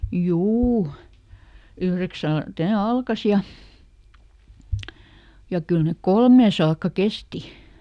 juu yhdeksältä ne alkoi ja ja kyllä ne kolmeen saakka kesti